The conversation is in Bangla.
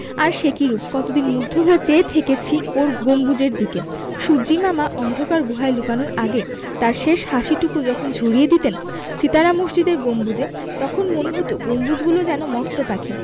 আর সে কি রুপ কতদিন মুগ্ধ হয়ে চেয়ে থেকেছি ওর গম্বুজের দিকে সূর্য্যিমামা অন্ধকার গুহায় লুকানোর আগে তাঁর শেষ হাসিটুকু যখন ঝরিয়ে দিতেন সিতারা মসজিদের গম্বুজে তখন মনে হতো গম্বুজগুলো যেন মস্ত পাখি